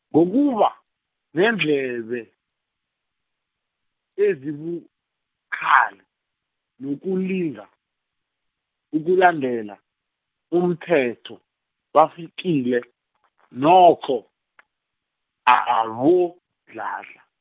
ngokuba, neendlebe, ezibukhali, nokulinga, ukulandela, umthetho, bafikile, nokho, -Dladla.